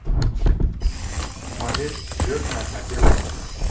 смотреть крестный отец три